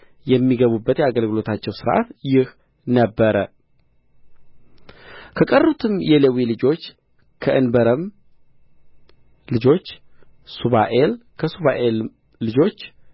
የሚገቡበት የአገልግሎታቸው ሥርዓት ይህ ነበረ ከቀሩትም የሌዊ ልጆች ከእንበረም ልጆች ሱባኤል ከሱባኤል ልጆች